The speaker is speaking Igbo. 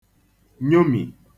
nyomì